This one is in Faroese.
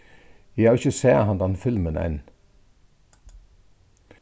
eg havi ikki sæð handa filmin enn